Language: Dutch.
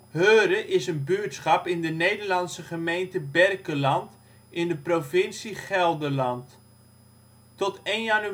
Heure is een buurtschap in de Nederlandse gemeente Berkelland in de provincie Gelderland. Tot 1 januari 2005